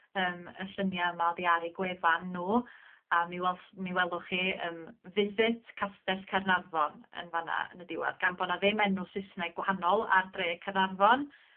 yym y llunia' yma oddi ar 'u gwefan nw a mi wels- mi welwch chi yym Visit Castell Caernarfon yn fan 'na yn y diwadd, gan bo' 'na ddim enw Sysneg gwahanol ar dre Carnarfon